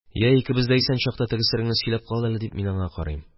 – йә, икебез дә исән чакта, теге сереңне сөйләп кал әле, – дип, мин аңа карыйм.